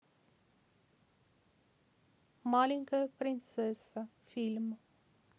маленькая принцесса фильм